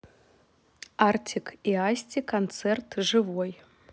артик и асти концерт живой